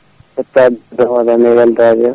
hettade * e weltade hen